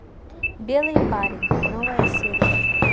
белый парень новая серия